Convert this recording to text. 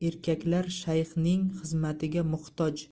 erkaklar shayxning xizmatiga muhtoj